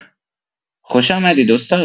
خوش آمدید استاد